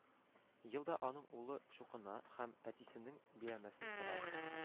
Елда аның улы чукына һәм, әтисенең биләмәсен сорап,